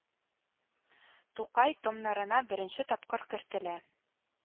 Тукай томнарына беренче тапкыр кертелә